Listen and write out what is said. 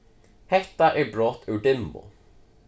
hetta er brot úr dimmu